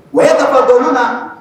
O ye dafa kɔnɔnaɔn na